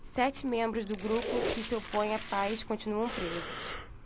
sete membros do grupo que se opõe à paz continuam presos